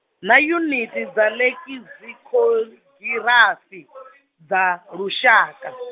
na yuniti dza lekizikhogirafi, dza lushaka.